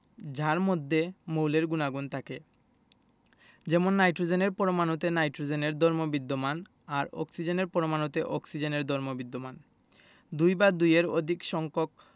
যার মধ্যে মৌলের গুণাগুণ থাকে যেমন নাইট্রোজেনের পরমাণুতে নাইট্রোজেনের ধর্ম বিদ্যমান আর অক্সিজেনের পরমাণুতে অক্সিজেনের ধর্ম বিদ্যমান দুই বা দুইয়ের অধিক সংখ্যক